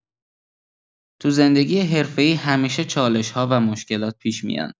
تو زندگی حرفه‌ای همیشه چالش‌ها و مشکلات پیش میان.